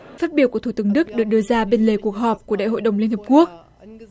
phát biểu của thủ tướng đức được đưa ra bên lề cuộc họp của đại hội đồng liên hiệp quốc